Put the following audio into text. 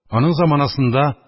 Аның заманасында